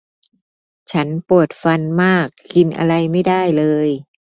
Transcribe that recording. ฉันปวดฟันมากกินอะไรไม่ได้เลย